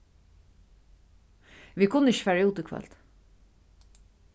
vit kunnu ikki fara út í kvøld